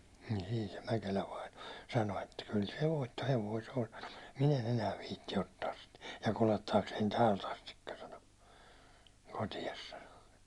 niin siinä se Mäkelä vainaja sanoi että kyllä se voittohevonen se on sanoi mutta minä en enää viitsi ottaa sitä ja kuljettaakseni täältä asti sanoi kotiin sanoi